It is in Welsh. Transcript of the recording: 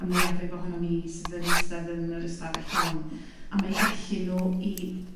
y mwyafrif ohonon ni sydd yn eistedd yn yr ystafell hon a ma' 'u gallu nhw i